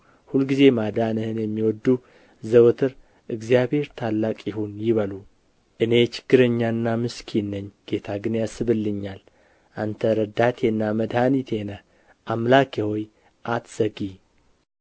ሁልጊዜ ማዳንህን የሚወድዱ ዘወትር እግዚአብሔር ታላቅ ይሁን ይበሉ እኔ ችግረኛና ምስኪን ነኝ ጌታ ግን ያስብልኛል አንተ ረዳቴና መድኃኒቴ ነህ አምላኬ ሆይ አትዘግይ